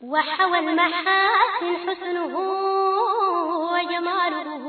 Wagodu wakumadu